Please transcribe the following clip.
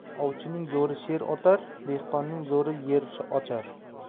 ovchining zo'ri sher otar dehqonning zo'ri yer ochar